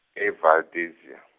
e Valdezia.